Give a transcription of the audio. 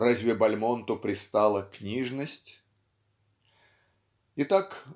разве Бальмонту пристала книжность? Итак